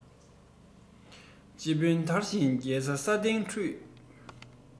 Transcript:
རྗེ དཔོན དར ཞིང རྒྱས པ ས སྡེའི འཕྲུལ